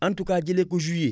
en tout cas jëlee ko juillet